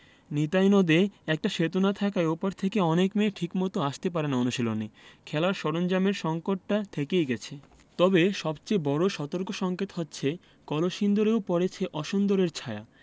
নিতাই নদে একটা সেতু না থাকায় ও পার থেকে অনেক মেয়ে ঠিকমতো আসতে পারে না অনুশীলনে খেলার সরঞ্জামের সংকটটা থেকেই গেছে তবে সবচেয়ে বড় সতর্কসংকেত হচ্ছে কলসিন্দুরেও পড়েছে অসুন্দরের ছায়া